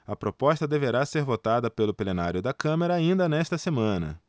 a proposta deverá ser votada pelo plenário da câmara ainda nesta semana